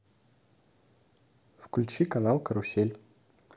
включи канал карусель